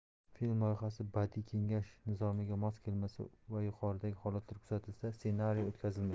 film loyihasi badiiy kengash nizomiga mos kelmasa va yuqoridagi holatlar kuzatilsa ssenariy o'tkazilmaydi